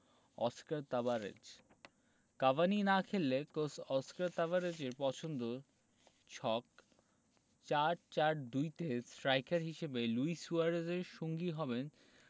Oscar Tabarez Cavani না খেললে coach Oscar তাবারেজের পছন্দ ছক ৪ ৪ ২ তে স্ট্রাইকার হিসেবে লুই সুয়ারেজের সঙ্গী হবেন